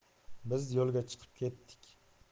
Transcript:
biz yo'lga chiqib ketdik